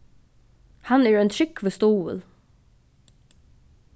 hann er ein trúgvur stuðul